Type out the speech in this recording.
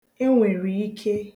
enwèrèike